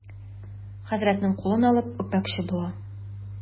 Хәзрәтнең кулын алып үпмәкче була.